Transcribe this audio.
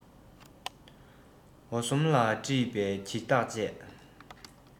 འོ ཟོམ ལ དཀྲིས པའི སྒྱིད ཐག བཅས